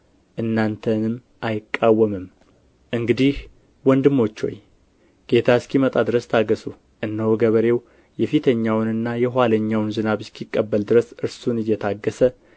እናንተን አይቃወምም እንግዲህ ወንድሞች ሆይ ጌታ እስኪመጣ ድረስ ታገሡ እነሆ ገበሬው የፊተኛውንና የኋለኛውን ዝናብ እስኪቀበል ድረስ እርሱን እየታገሠ